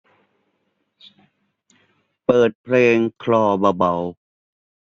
เปิดเพลงคลอเบาเบา